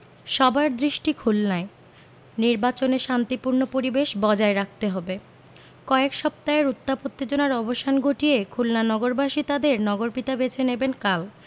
সবার দৃষ্টি খুলনায় নির্বাচনে শান্তিপূর্ণ পরিবেশ বজায় রাখতে হবে কয়েক সপ্তাহের উত্তাপ উত্তেজনার অবসান ঘটিয়ে খুলনা নগরবাসী তাঁদের নগরপিতা বেছে নেবেন কাল